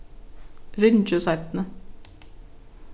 ringi seinni